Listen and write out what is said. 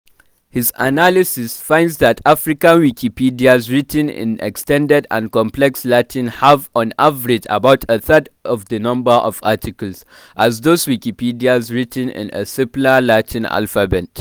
His analysis finds that African Wikipedias “written in extended and complex Latin hav[e] on average about a third the number of articles” as those Wikipedias written in a simpler Latin alphabet.